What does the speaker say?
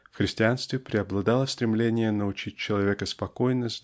В христианстве преобладало стремление научить человека спокойно